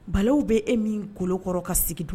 Balahu bɛ e min golokɔrɔ ka sigi dun